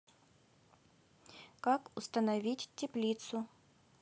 как установить теплицу